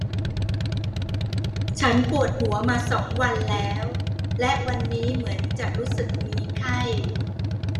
ฉันปวดหัวมาสองวันแล้วและวันนี้เหมือนจะรู้สึกมีไข้